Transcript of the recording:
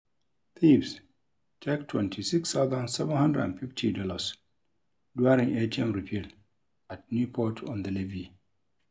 Thieves take $26,750 during ATM refill at Newport on the Levee